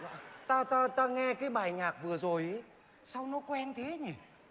ta ta ta nghe cái bài nhạc vừa rồi ý sao nó quen thế nhỉ